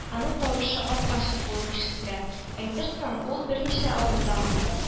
Аның тавышы апачык булып ишетелә, әйтерсең ул берничә адымда гына